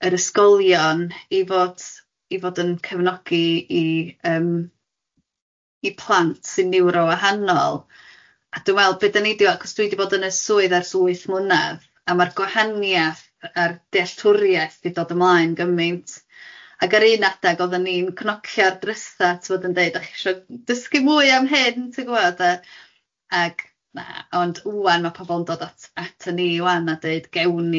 yr ysgolion i fod i fod yn cefnogi i yym i plant sy'n niwro wahanol a dwi'n meddwl be dan ni di weld achos dwi di bod yn y swydd ers wyth mlynadd a ma'r gwahaniaeth a'r dealltwriaeth wedi dod ymlaen gymaint ag ar un adeg oedden ni'n cnocio'r drysau tibod yn deud dach chi isio dysgu mwy am hyn ti'n gwybod yy ag na ond ŵan ma' pobl yn dod at atan ni ŵan a deud gewn ni